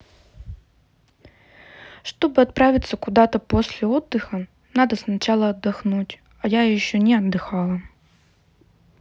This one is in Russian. чтобы отправиться куда то после отдыха надо сначала отдохнуть а я еще не отдыхала